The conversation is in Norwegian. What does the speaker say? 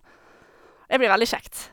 Det blir veldig kjekt.